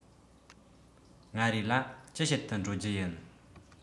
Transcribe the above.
མངའ རིས ལ ཅི བྱེད དུ འགྲོ རྒྱུ ཡིན